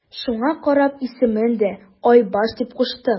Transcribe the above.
Шуңа карап исемен дә Айбаш дип куштык.